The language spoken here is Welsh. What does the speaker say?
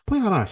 Pwy arall?